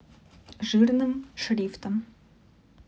жирным шрифтом